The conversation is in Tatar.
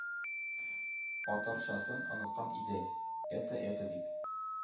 Атарчасын оныткан иде. это, это дип,